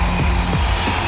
vị